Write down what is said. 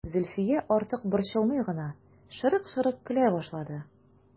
Зөлфия, артык борчылмый гына, шырык-шырык көлә башлады.